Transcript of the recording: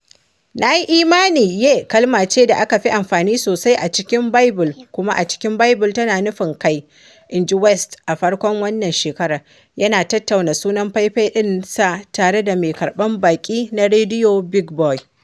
“Na yi imani ‘ye’ kalma ce da aka fi amfani sosai a cikin Baibul, kuma a cikin Baibul tana nufin ‘kai,” inji West a farkon wannan shekarar, yana tattauna sunan faifan ɗinsa tare da mai karɓan baƙi na rediyo Big Boy.